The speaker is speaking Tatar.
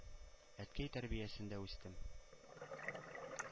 Әткәй тәрбиясендә үстем.